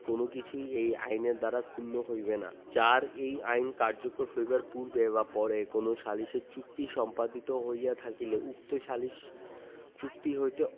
কোন কিছুই এই আইন দ্বারা ক্ষুণ্ণ হইবে না ৪ এই আইন কার্যকর হইবার পূর্বে বা পরে কোন সালিস চুক্তি সম্পাদিত হইয়া থাকিলে উক্ত সালিস চুক্তি হইতে